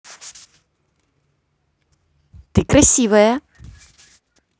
ты красивая